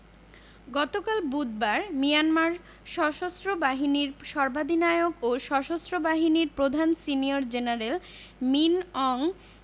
গতকাল বুধবার মিয়ানমার সশস্ত্র বাহিনীর সর্বাধিনায়ক ও সশস্ত্র বাহিনীর প্রধান সিনিয়র জেনারেল মিন অং